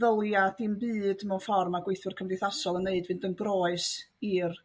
ddylia dim byd mewn ffor' ma' gweithwyr cymdeithasol yn neud fynd yn groes i'r confensiwn